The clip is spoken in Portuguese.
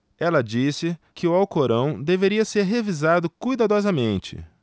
ela disse que o alcorão deveria ser revisado cuidadosamente